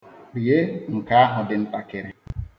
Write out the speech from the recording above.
Rie nke ahụ dị ntakịrị.